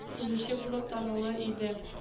Төзүче булып танылу иде